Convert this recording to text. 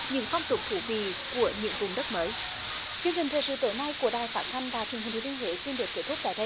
những phong tục thú vị của những vùng đất mới chương trình thời sự tối nay của đài phát thanh và truyền hình thừa thiên huế xin được kết thúc tại đây